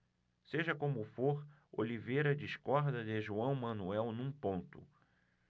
seja como for oliveira discorda de joão manuel num ponto